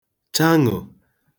chaṅụ̀